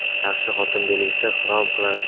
yaxshi xotin belgisi xirom qilar terini